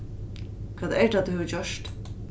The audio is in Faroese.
hvat er tað tú hevur gjørt